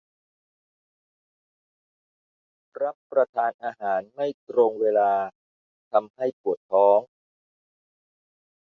รับประทานอาหารไม่ตรงเวลาทำให้ปวดท้อง